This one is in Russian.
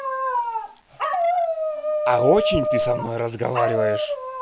а очень ты со мной разговариваешь